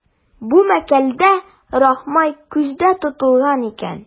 Бу мәкаләдә Рахмай күздә тотылган икән.